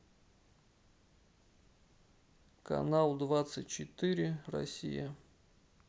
канал двадцать четыре россия